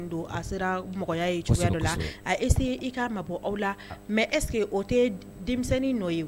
Don a serase i ka ma bɔ aw la mɛ esseke o tɛ denmisɛnnin ye